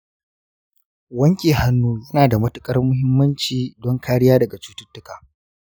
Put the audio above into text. wanke hannu yana da matuƙar muhimmanci don kariya daga cututtuka.